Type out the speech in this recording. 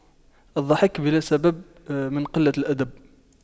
الضحك بلا سبب من قلة الأدب